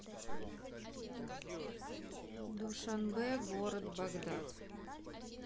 душанбе город багдад